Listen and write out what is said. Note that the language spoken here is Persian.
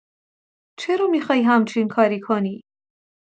چرا می‌خوای همچین کاری کنی؟